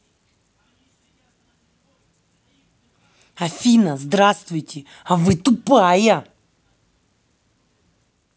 афина здравствуйте а вы тупая